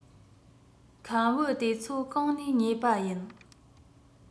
ཁམ བུ དེ ཚོ གང ནས ཉོས པ ཡིན